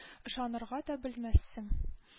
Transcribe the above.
Ышанырга да белмәссең